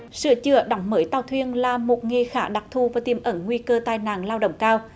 sửa chữa đóng mới tàu thuyền là một nghề khá đặc thù và tiềm ẩn nguy cơ tai nạn lao động cao